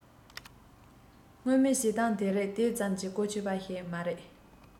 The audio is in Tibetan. སྔོན མའི བྱེད སྟངས དེ རིགས དེ ཙམ གྱིས གོ ཆོད པ ཞིག མ རེད